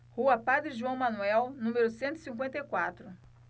rua padre joão manuel número cento e cinquenta e quatro